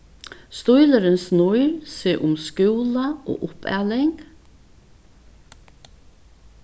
stílurin snýr seg um skúla og uppaling